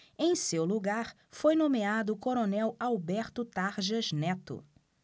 em seu lugar foi nomeado o coronel alberto tarjas neto